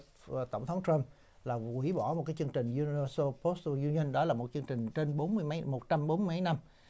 của tổng thống trăm là hủy bỏ một cái chương trình diu nô xô bốt xô diu linh đó là một chương trình trên bốn mươi mấy một trăm bốn mấy năm